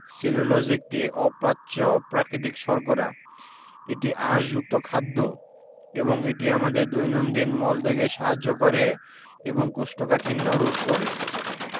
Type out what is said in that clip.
cellulose একটি অপাচ্য প্রাকৃতিক শর্করা এটি আঁশযুক্ত খাদ্য এবং এটি আমাদের দৈনন্দিন মল ত্যাগে সাহায্য করে এবং কোষ্ঠকাঠিন্য রোধ করে